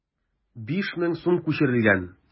5000 сум күчерелгән.